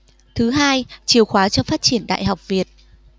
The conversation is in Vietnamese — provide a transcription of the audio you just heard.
thứ hai chìa khóa cho phát triển đại học việt